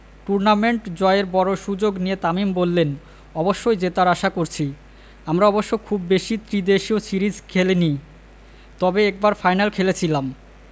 tournament জয়ের বড় সুযোগ নিয়ে তামিম বললেন অবশ্যই জেতার আশা করছি আমরা অবশ্য খুব বেশি ত্রিদেশীয় সিরিজ খেলেনি তবে একবার ফাইনাল খেলেছিলাম